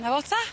Na fo ta?